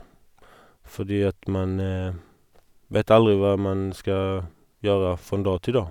Fordi at man vet aldri hva man skal gjøre fra dag til dag.